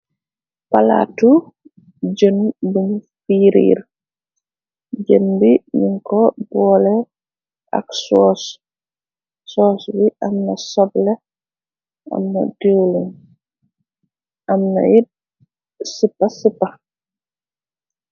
Palaatu jën buñu fiiriir jën bi ñun ko boole ak soos bi amna soble amna diwliñ amna yit sipa-sipa.